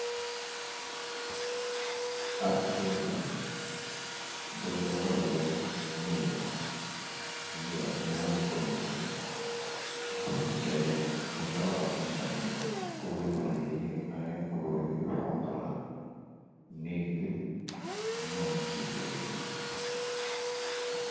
Abkir la buñu worale miir mi ngi am naari bunta bundaw ak buntafu mag kurwur yi ay kulur yu fonkla nigg wi moom ci biir.